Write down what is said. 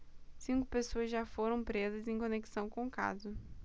cinco pessoas já foram presas em conexão com o caso